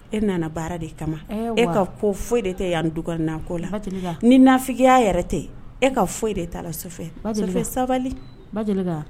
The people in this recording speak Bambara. E nana baara de kama e ka ko foyi de tɛ yan du nako la ni nafiya yɛrɛ tɛ e ka foyi de' la sabali